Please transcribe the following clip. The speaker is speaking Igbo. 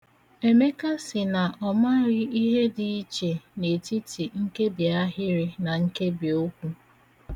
Emeka sị na ọ maghị ihe dị iche n'etiti nkebiahịrị na nkebiokwu.